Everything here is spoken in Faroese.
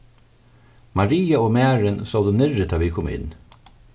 maria og marin sótu niðri tá ið vit komu inn